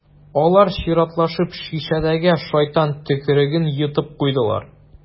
Алар чиратлашып шешәдәге «шайтан төкереге»н йотып куйдылар.